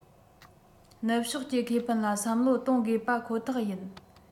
ནུབ ཕྱོགས ཀྱི ཁེ ཕན ལ བསམ བློ གཏོང དགོས པ ཁོ ཐག ཡིན